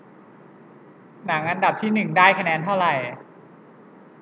หนังอันดับที่หนึ่งได้คะแนนเท่าไหร่